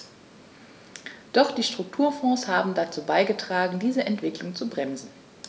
Doch die Strukturfonds haben dazu beigetragen, diese Entwicklung zu bremsen.